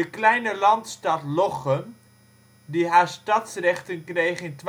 kleine landstad " Lochem, die haar stadsrechten kreeg in